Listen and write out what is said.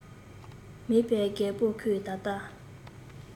མེད པས རྒད པོ ཁོས ད ལྟ